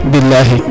bilahi